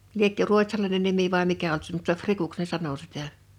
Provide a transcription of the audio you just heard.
liekö ruotsalainen nimi vai mikä ollut se mutta rikuksi ne sanoi sitä